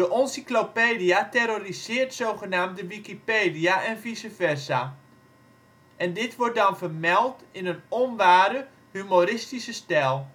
Oncyclopedia " terroriseert " zogenaamd de Wikipedia (en vice versa) en dit wordt dan vermeld in een onware, humoristische stijl